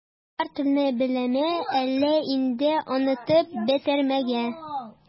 Алар телне беләме, әллә инде онытып бетергәнме?